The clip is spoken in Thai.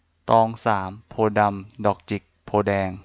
ตองสามโพธิ์ดำดอกจิกโพธิ์แดง